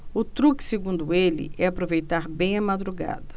o truque segundo ele é aproveitar bem a madrugada